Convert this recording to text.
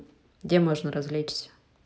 где можно развлечься